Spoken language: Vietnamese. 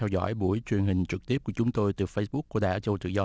theo dõi buổi truyền hình trực tiếp của chúng tôi từ phây búc của đài á châu tự do